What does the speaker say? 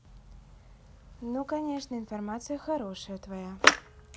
ну конечно информация хорошая твоя